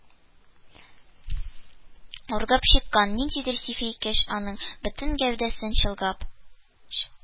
Ургып чыккан ниндидер сихри көч аның бөтен гәүдәсен чолгап